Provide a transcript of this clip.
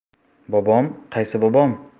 bobom qaysi bobom